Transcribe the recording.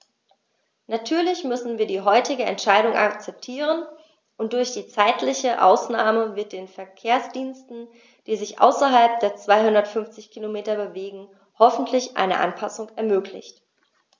Natürlich müssen wir die heutige Entscheidung akzeptieren, und durch die zeitliche Ausnahme wird den Verkehrsdiensten, die sich außerhalb der 250 Kilometer bewegen, hoffentlich eine Anpassung ermöglicht.